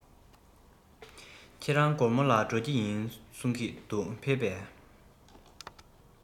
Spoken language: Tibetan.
ཁྱེད རང གོར མོ ལ ཀྱི ཡིན གསུང གི འདུག ཕེབས པས